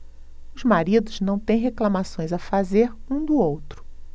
os maridos não têm reclamações a fazer um do outro